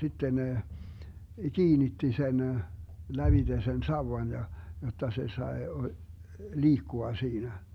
sitten ne kiinnitti sen lävitse sen sauvan ja jotta se sai liikkua siinä